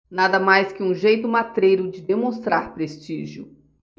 nada mais que um jeito matreiro de demonstrar prestígio